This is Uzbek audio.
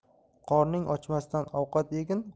qorning ochmasdan ovqat yegin